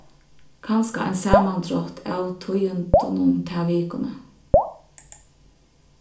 kanska ein samandrátt av tíðindunum ta vikuna